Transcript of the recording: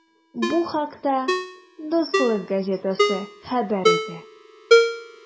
Бу хакта “Дуслык” газетасы хәбәр итә.